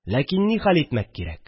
Ләкин нихәл итмәк кирәк